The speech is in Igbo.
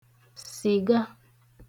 sìga